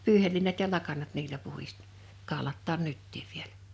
pyyheliinat ja lakanat niillä - kaulataan nytkin vielä